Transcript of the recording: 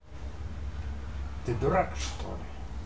ты дурак что ли